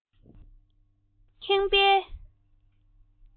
ཙི ཙི ཕོ དེ ཐུག པས ཁེངས པའི